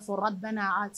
Fɔra bɛɛ na